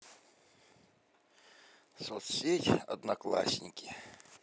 соцсеть одноклассники